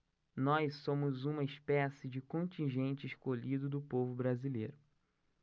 nós somos uma espécie de contingente escolhido do povo brasileiro